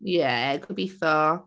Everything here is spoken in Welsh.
Ie gobeithio.